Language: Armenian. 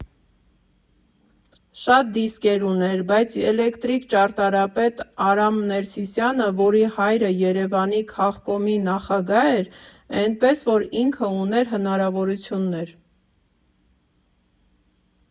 Շատ դիսկեր ուներ, բայց էկլեկտիկ, ճարտարապետ Արամ Ներսիսյանը, որի հայրը Երևանի քաղկոմի նախագահ էր, էնպես որ ինքը ուներ հնարավորություններ։